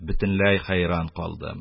Бөтенләй хәйран булдым.